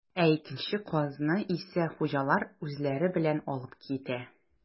Ә икенче казны исә хуҗалар үзләре белән алып китә.